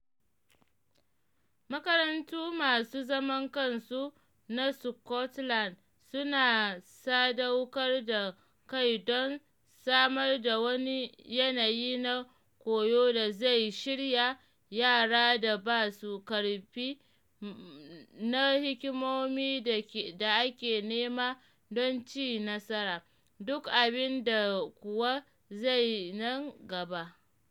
Makarantu masu zaman kansu na Scotland suna sadaukar da kai don samar da wani yanayi na koyo da zai shirya yara da ba su karfi na hikimomi da ake nema don ci nasara, duk abin da kuwa zai nan gaba.